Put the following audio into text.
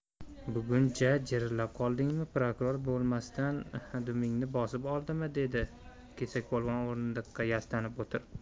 bugun ja jirillab qoldingmi prokuror bilmasdan dumingni bosib oldimi dedi kesakpolvon o'rindiqqa yastanib o'tirib